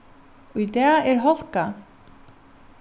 í dag er hálka